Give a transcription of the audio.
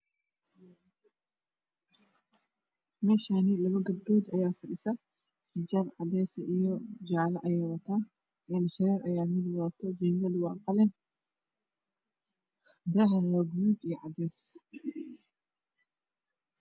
Meshani labo gabdhod ayaa fadhisah xijaab cades ah io xijaab jalo ayeey watan indha shareey ayaa mid wadato jingado waa qalin dahanah waa gaduud io cades